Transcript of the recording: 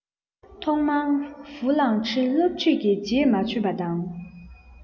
ཐོག མར ཧྥུ ལང ཧྲི སློབ ཁྲིད ཀྱི རྗེས མ ཆོད པ དང